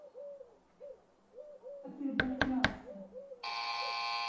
а ты обосрался